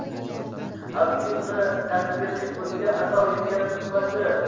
avdiy uni taqdoling o'ziga ato etgan tuhfasi